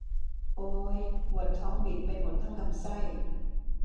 โอยปวดท้องบิดไปหมดทั้งลำไส้